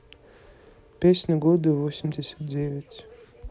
песня года восемьдесят девять